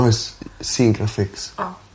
Oes See yn graphics. O.